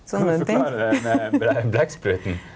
kan du forklare med blekkspruten?